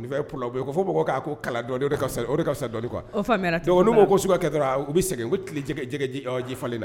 fo mɔgɔw k'a ko kala dɔɔnin o de ka fisa dɔɔnin quoi o faamuyara donc n'u ko su ka kɛ dɔrɔn u bɛ sɛgɛn u bɛ tilen jɛgɛji falen na